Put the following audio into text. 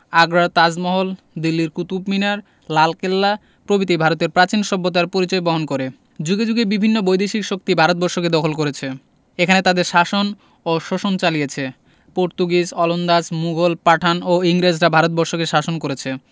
আগ্রার তাজমহল দিল্লির কুতুব মিনার লালকেল্লা প্রভৃতি ভারতের প্রাচীন সভ্যতার পরিচয় বহন কর েযুগে যুগে বিভিন্ন বৈদেশিক শক্তি ভারতবর্ষকে দখল করেছে এখানে তাদের শাসন ও শোষণ চালিছে পর্তুগিজ ওলন্দাজ মুঘল পাঠান ও ইংরেজরা ভারত বর্ষকে শাসন করেছে